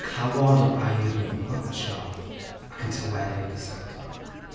Cawod o aur yn fy nghwtsio ac yn tawelu'r cysgodion.